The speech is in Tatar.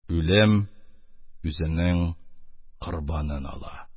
Үлем үзенең корбанын ала.